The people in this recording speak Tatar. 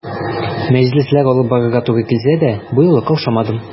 Мәҗлесләр алып барырга туры килсә дә, бу юлы каушадым.